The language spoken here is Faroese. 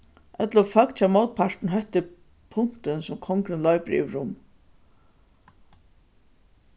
ella um fólk hjá mótpartinum hóttir puntin sum kongurin loypur yvirum